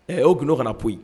Ɛ oo kun ka na p